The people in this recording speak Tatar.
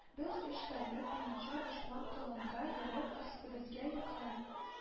Без, өч тәүлек буенча дошман тылында йөреп, өстебезгә йөклән